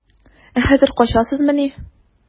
Ә хәзер качасызмыни?